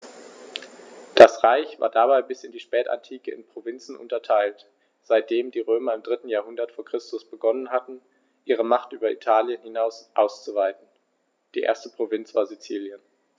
Das Reich war dabei bis in die Spätantike in Provinzen unterteilt, seitdem die Römer im 3. Jahrhundert vor Christus begonnen hatten, ihre Macht über Italien hinaus auszuweiten (die erste Provinz war Sizilien).